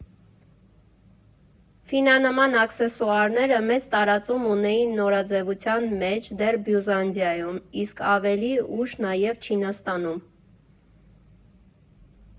Փինանման աքսեսուարները մեծ տարածում ունեին նորաձևության մեջ դեռ Բյուզանդիայում, իսկ ավելի ուշ՝ նաև Չինաստանում։